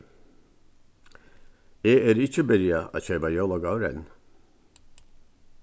eg eri ikki byrjað at keypa jólagávur enn